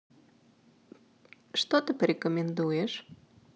что ты порекомендуешь